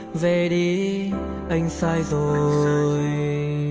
về đi anh sai rồi